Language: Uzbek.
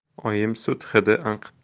oyim sut hidi anqib